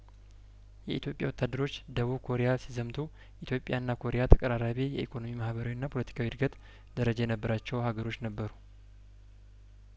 የኢትዮጵያ ወታደሮች ደቡብ ኮሪያሲ ዘምቱ ኢትዮጵያና ኮሪያ ተቀራራቢ የኢኮኖሚ ማህበራዊና ፖለቲካዊ እድገት ደረጃ የነበራቸው ሀገሮች ነበሩ